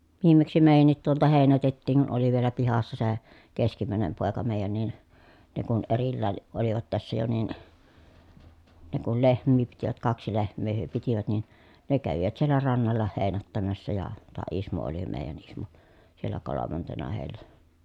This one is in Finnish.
viimeksi meidänkin tuolta heinätettiin kun oli vielä pihassa se keskimmäinen poika meidän niin ne kun erillään olivat tässä jo niin ne kun lehmiä pitivät kaksi lehmää he pitivät niin ne kävivät siellä rannalla heinättämässä ja taa Ismo oli meidän Ismo siellä kolmantena heillä